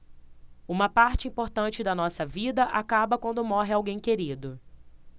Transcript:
uma parte importante da nossa vida acaba quando morre alguém querido